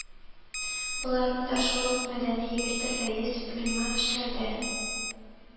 Боларны да шул ук Мәдәни егете Фәиз Гыйльманов эшләтә